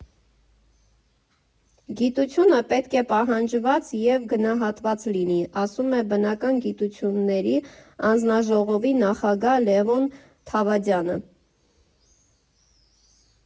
«Գիտությունը պետք է պահանջված և գնահատված լինի, ֊ ասում է բնական գիտությունների հանձնաժողովի նախագահ Լևոն Թավադյանը։